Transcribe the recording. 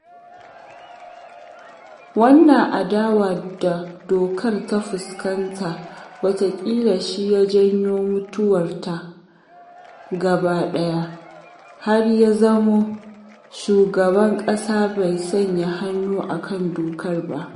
Wannan adawa da dokar ta fuskanta wataƙila shi ya janyo mutuwarta gaba ɗaya - har ya zamo shugaban ƙasa bai sanya hannu a kan dokar ba.